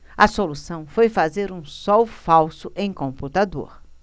a solução foi fazer um sol falso em computador